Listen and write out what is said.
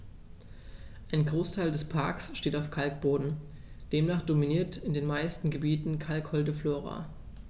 Ein Großteil des Parks steht auf Kalkboden, demnach dominiert in den meisten Gebieten kalkholde Flora.